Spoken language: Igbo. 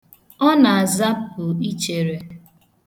Ọ na-azapụ ichere.